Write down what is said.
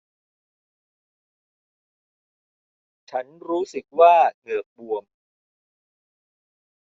ฉันรู้สึกว่าเหงือกบวม